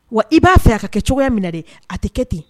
Wa i b'a fɛ a ka kɛ cogoya min na de a tɛ kɛ ten